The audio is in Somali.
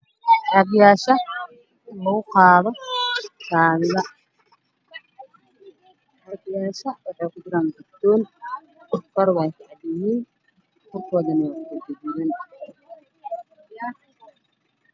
Waxaa ii muuqdo daawo ku jirta bac dhulka caadada ah waa guduud kartoon ayey ku jiraan